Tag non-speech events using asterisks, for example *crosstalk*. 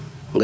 *hesitation* *hesitation*